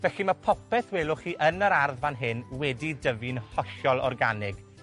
Felly, ma' popeth welwch chi yn yr ardd fan hyn wedi dyfu'n hollol organig.